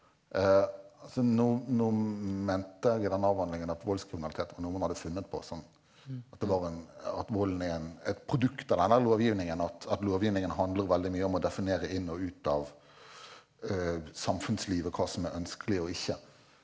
altså nå nå mente jeg i denne avhandlingen at voldskriminalitet var noe man hadde funnet på sant at det var en at volden er en et produkt av denne lovgivningen at at lovgivningen handler veldig mye om å definere inn og ut av samfunnslivet hva som er ønskelig og ikke.